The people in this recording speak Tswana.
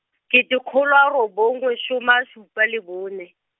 kete kgolo a robongwe soma supa le bone.